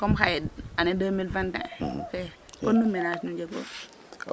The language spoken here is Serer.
comme xaye année 2021 fe pod num ménage njegu